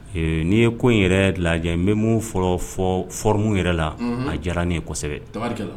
N'i ye ko in yɛrɛ lajɛ n bɛ min fɔlɔ foro yɛrɛ la a diyara nin ye kosɛbɛ